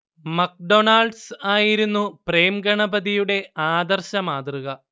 McDonald's ആയിരുന്നു പ്രേം ഗണപതിയുടെ ആദർശ മാതൃക